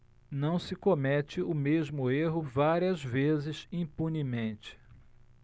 não se comete o mesmo erro várias vezes impunemente